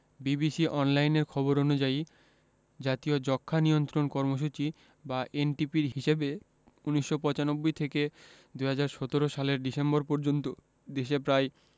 BBC অনলাইনের খবর অনুযায়ী জাতীয় যক্ষ্মা নিয়ন্ত্রণ কর্মসূচি বা এনটিপির হিসেবে ১৯৯৫ থেকে ২০১৭ সালের ডিসেম্বর পর্যন্ত দেশে প্রায়